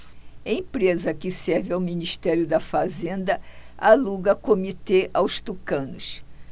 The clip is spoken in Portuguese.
empresa que serve ao ministério da fazenda aluga comitê aos tucanos